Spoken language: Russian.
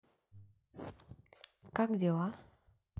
как дела